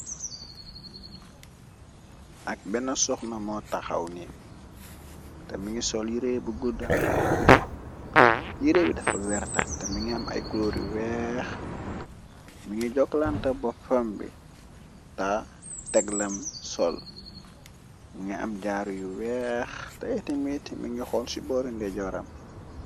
Ak benn sox namo taxaw ni te mingi sol gudd yiréebi dafa werta te mi ngi am ay kuloor yu weex mi ngi joklanta ba pambi ta teglam sol mi ngi am jaaru yu weex te itimit mi ngi xol ci boori ndejoram.